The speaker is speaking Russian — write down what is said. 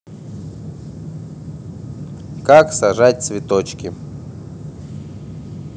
как сажать цветочки